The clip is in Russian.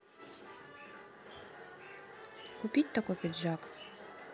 купить такой пиджак